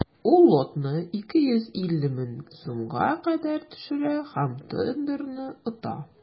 Ул лотны 250 мең сумга кадәр төшерә һәм тендерны ота.